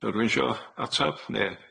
Do' rwy'n isio ateb ne'